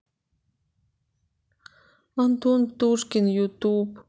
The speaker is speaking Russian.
антон птушкин ютуб